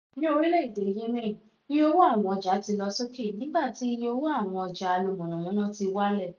Ní orílẹ̀-èdè Yemen, iye owó àwọn ọjà ti lọ sókè nígbà tí iye owó àwọn ọjà alonáamọ̀nàmọ́ná ti wálẹ̀.